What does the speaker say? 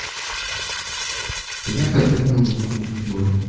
я подвернул ногу на футболе